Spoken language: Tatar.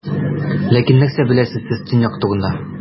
Ләкин нәрсә беләсез сез Төньяк турында?